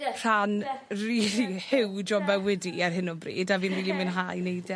rhan rili hiwj o'm mymyd i ar hyn o bryd a fi rili mwynhau neud e.